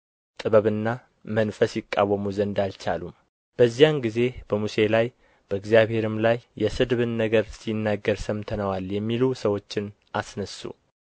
ጥበብና መንፈስ ይቃወሙ ዘንድ አልቻሉም በዚያን ጊዜ በሙሴ ላይ በእግዚአብሔርም ላይ የስድብን ነገር ሲናገር ሰምተነዋል የሚሉ ሰዎችን አስነሡ